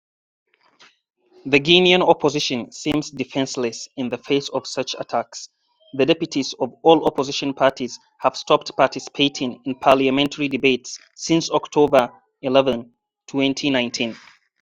The Guinean opposition seems defenseless in the face of such attacks: the deputies of all opposition parties have stopped participating in parliamentary debates since October 11, 2019.